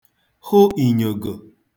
hụ ìnyògò